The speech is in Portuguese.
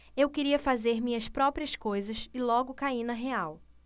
eu queria fazer minhas próprias coisas e logo caí na real